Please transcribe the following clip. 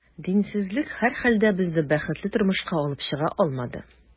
Динсезлек, һәрхәлдә, безне бәхетле тормышка алып чыга алмады.